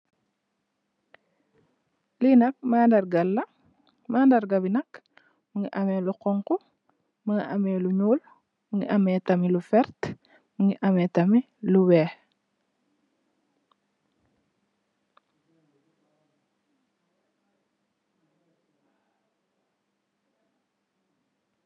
Li nak mandarga la, mandarga bi nak mugii ameh lu xonxu, mugii ameh lu ñuul mugii ameh tamit lu werta mugii ameh tamit lu wèèx.